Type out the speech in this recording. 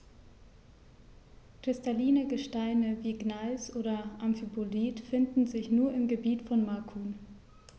Kristalline Gesteine wie Gneis oder Amphibolit finden sich nur im Gebiet von Macun.